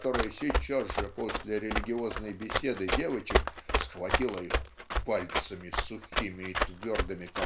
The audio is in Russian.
которая сейчас же после религиозной беседы девочек схватила их "пальцами сухими и твердыми